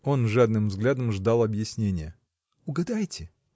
Он жадным взглядом ждал объяснения. — Угадайте!